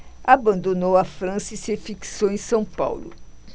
abandonou a frança e se fixou em são paulo